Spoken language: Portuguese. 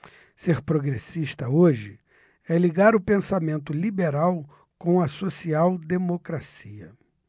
ser progressista hoje é ligar o pensamento liberal com a social democracia